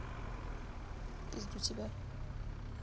в пизду тебя